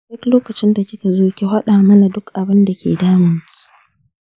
a duk lokacin da kika zo, ki faɗa mana duk abin da ke damunki.